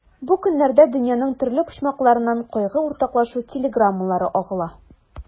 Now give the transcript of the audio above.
Бу көннәрдә дөньяның төрле почмакларыннан кайгы уртаклашу телеграммалары агыла.